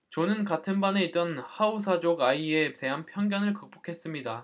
존은 같은 반에 있던 하우사족 아이에 대한 편견을 극복했습니다